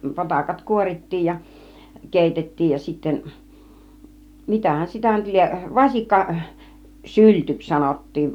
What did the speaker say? potakat kuorittiin ja keitettiin ja sitten mitähän sitä nyt lie vasikka syltyksi sanottiin